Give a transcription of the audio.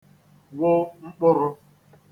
wụ mkpụ̄rụ̄